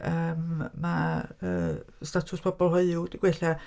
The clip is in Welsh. Yym mae yy statws pobl hoyw wedi gwella.